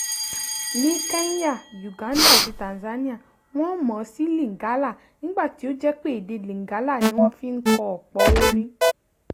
Ní Kenya, Uganda, àti Tanzania wọ́n mọ̀ ọ́ sí Lingala nígbà tí ó jẹ́ pé èdè Lingala ní wọ́n fi ń kọ ọ̀pọ̀ orin.